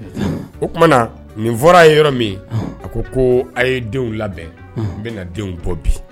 O tumaumana na nin fɔra ye yɔrɔ min a ko ko a ye denw labɛn n bɛna na denw bɔ bi